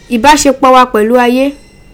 Ibasepo wa pelu aye.